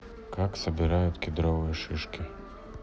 как собирают кедровые шишки